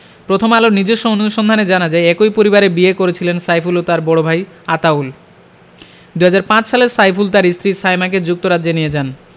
প্রথম আলোর নিজস্ব অনুসন্ধানে জানা যায় একই পরিবারে বিয়ে করেছিলেন সাইফুল ও তাঁর বড় ভাই আতাউল ২০০৫ সালে সাইফুল তাঁর স্ত্রী সায়মাকে যুক্তরাজ্যে নিয়ে যান